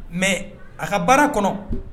Mɛ a ka baara kɔnɔ